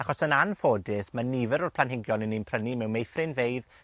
Achos, yn anffodus, ma' nifer o'r planhigion 'yn ni'n prynu mewn meithrinfeydd